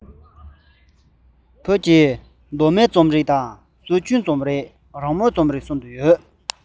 བོད ཀྱི གདོད མའི རྩོམ རིག དང སྲོལ རྒྱུན རྩོམ རིག རང མོས རྩོམ རིག གསུམ དུ འདུ བ ཡིན